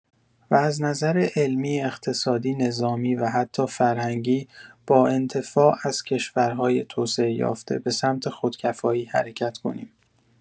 و از نظر علمی اقتصادی نظامی و حتی فرهنگی با انتفاع از کشورهای توسعۀافته به سمت خود کفایی حرکت کنیم.